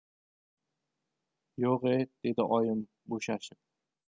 yo'g' e dedi oyim bo'shashib